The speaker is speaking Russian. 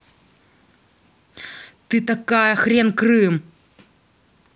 ты такая хрен крым